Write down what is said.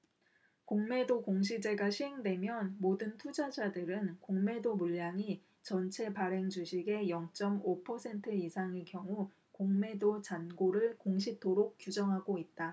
공매도 공시제가 시행되면 모든 투자자들은 공매도 물량이 전체 발행주식의 영 쩜 오 퍼센트 이상일 경우 공매도 잔고를 공시토록 규정하고 있다